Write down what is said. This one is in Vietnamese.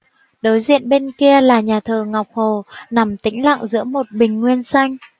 đối diện bên kia là nhà thờ ngọc hồ nằm tĩnh lặng giữa một bình nguyên xanh